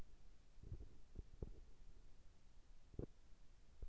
музыка топ двадцать